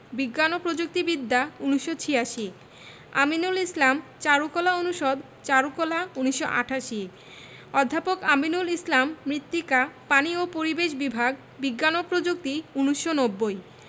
বিজ্ঞান ও প্রযুক্তি বিদ্যা ১৯৮৬ আমিনুল ইসলাম চারুকলা অনুষদ চারুকলা ১৯৮৮ অধ্যাপক আমিনুল ইসলাম মৃত্তিকা পানি ও পরিবেশ বিভাগ বিজ্ঞান ও প্রযুক্তি ১৯৯০